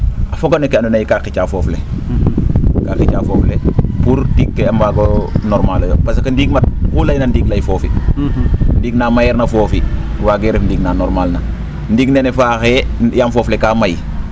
a foga no kee andoona yee kaa qicaa foof le kaa qicaa foof le pour tiig ke a mbaago normale oyo parce que ndiig o mat oxu layna ndiig lay foofi ndiig na mayeerna foofi waagee ref ndiig na normale na ndiig nene faaxe yaam foof le kaa may